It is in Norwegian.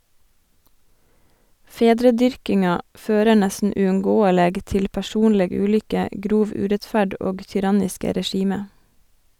Fedredyrkinga fører nesten uunngåeleg til personleg ulykke, grov urettferd og tyranniske regime.